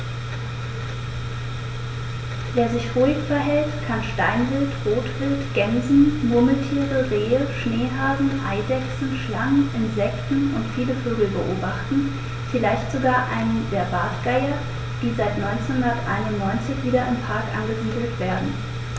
Wer sich ruhig verhält, kann Steinwild, Rotwild, Gämsen, Murmeltiere, Rehe, Schneehasen, Eidechsen, Schlangen, Insekten und viele Vögel beobachten, vielleicht sogar einen der Bartgeier, die seit 1991 wieder im Park angesiedelt werden.